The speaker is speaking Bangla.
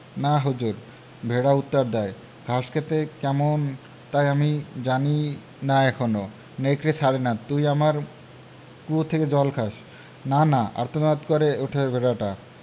না হুজুর ভেড়া উত্তর দ্যায় ঘাস খেতে কেমন তাই আমি জানি না এখনো নেকড়ে ছাড়ে না তুই আমার কুয়ো থেকে জল খাস না না আর্তনাদ করে ওঠে ভেড়াটা